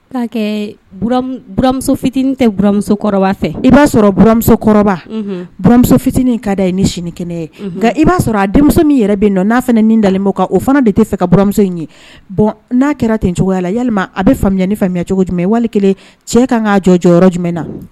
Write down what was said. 'a kɛmuso fitinin tɛmuso fɛ i b'a sɔrɔmusomuso fitinin ka da ye ni sinikɛnɛ ye nka i b'a sɔrɔ a denmuso yɛrɛ bɛ n'a fana nin dalen o fana de tɛ fɛ ka buramuso in ye bɔn n'a kɛra tencogoya la ya a bɛ faamuya ni cogo jumɛn ye wali kelen cɛ kan'a jɔ jɔyɔrɔ yɔrɔ jumɛn na